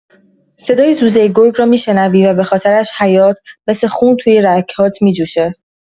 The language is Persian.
صدای زوزۀ گرگ رو می‌شنوی و بخاطرش حیات، مثل خون تو رگ‌هات می‌جوشه.